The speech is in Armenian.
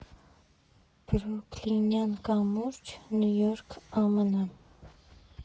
Բրուքլինյան կամուրջ, Նյու Յորք, ԱՄՆ։